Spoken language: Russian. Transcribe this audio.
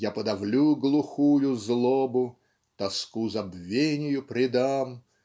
Я подавлю глухую злобу, Тоску забвению предам.